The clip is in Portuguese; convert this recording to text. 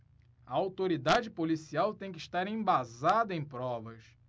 a autoridade policial tem de estar embasada em provas